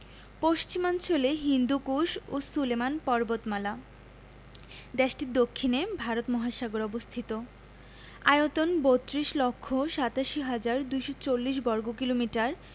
পশ্চিমাঞ্চলে হিন্দুকুশ ও সুলেমান পর্বতমালাদেশটির দক্ষিণে ভারত মহাসাগর অবস্থিত আয়তন ৩২ লক্ষ ৮৭ হাজার ২৪০ বর্গ কিমি